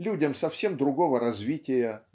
людям совсем другого развития